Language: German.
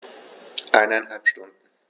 Eineinhalb Stunden